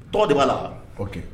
Tɔgɔ de b'a la o kɛ